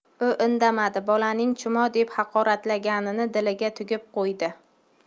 u indamadi bolaning chumo deb haqoratlaganini diliga tugib qo'ydi